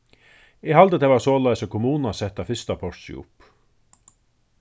eg haldi at tað var soleiðis at kommunan setti tað fyrsta portrið upp